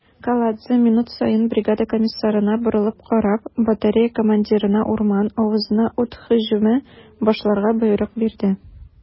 Каладзе, минут саен бригада комиссарына борылып карап, батарея командирына урман авызына ут һөҗүме башларга боерык бирде.